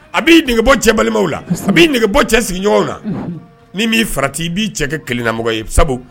A bi negebɔ cɛ balimaw la. A bi negebɔ cɛ sigiɲɔgɔnw na. Ni mi farati i bi cɛ kɛ kelen na mɔgɔ ye. Sabu